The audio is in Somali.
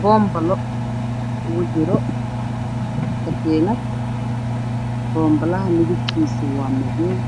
Pambalo ugu jiro ka tiinad boom balaha midabkiisu oo ah madoobe